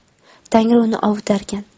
tangri uni ovutarkan